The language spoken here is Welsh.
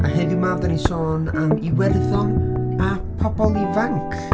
A heddiw 'ma dan ni'n sôn am Iwerddon a pobl ifanc.